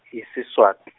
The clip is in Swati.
iSiswati.